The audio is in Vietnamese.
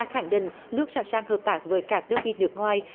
khẳng định luôn sẵn sàng hợp tác với các đơn vị nước ngoài